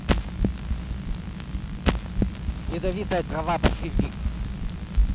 ядовитая трава большевик